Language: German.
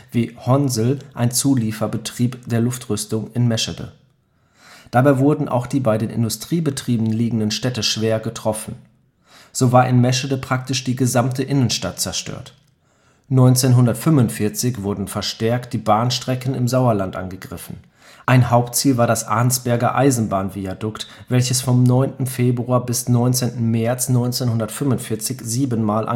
wie Honsel (Zulieferbetrieb der Luftrüstung) in Meschede. Dabei wurden auch die bei den Industriebetrieben liegenden Städte schwer getroffen. So war in Meschede praktisch die gesamte Innenstadt zerstört. 1945 wurden verstärkt die Bahnstrecken im Sauerland angegriffen; ein Hauptziel war das Arnsberger Eisenbahnviadukt, welches vom 9. Februar bis 19. März 1945 siebenmal